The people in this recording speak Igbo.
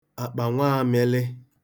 àkpà nwaāmị̄lị̄